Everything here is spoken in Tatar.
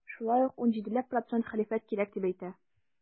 Шулай ук 17 ләп процент хәлифәт кирәк дип әйтә.